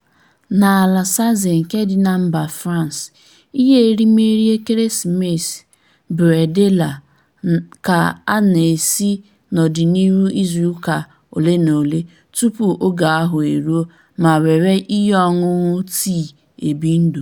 N'Alsace nke dị na mba France, ihe erimeri ekeresimesi, bredela ka a na-esi n'ọdịnihu izuụka ole na ole tupu oge ahụ eruo ma wéré ihe ọṅụṅụ tịi ebi ndụ.